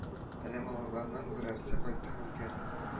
Әллә малайларның берәрсе кайтты микән